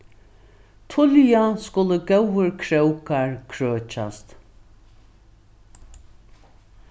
tíðliga skulu góðir krókar krøkjast